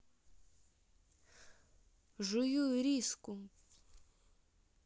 жую ириску